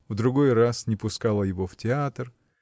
В другой раз не пускала его в театр